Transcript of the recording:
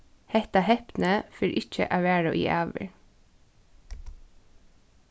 hetta hepnið fer ikki at vara í ævir